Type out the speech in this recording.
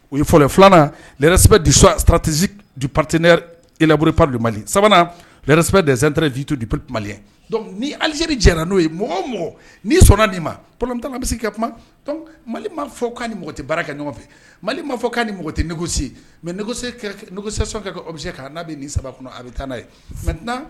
O ye fɔlɔ filanan ɛrɛ di saratisipteɛ labri pari mali sabanan ɛrɛ kosɛbɛ desɛnɛntetupti malic ni alize jɛra n'o ye mɔgɔ mɔgɔ ni sɔnna nin ma p bɛ ka kuma mali ma fɔ kan ni mɔgɔ baara kɛ ɲɔgɔn nɔfɛ mali ma fɔ ka ni mɔgɔ tɛ nɛgɛsi mɛkisɛkɛse k' n'a bɛ nin saba kɔnɔ a bɛ taa n'a ye